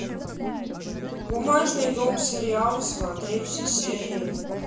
бумажный дом сериал смотреть все серии